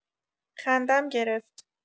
خندم گرفت.